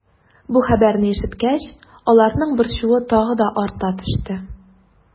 Бу хәбәрне ишеткәч, аларның борчуы тагы да арта төште.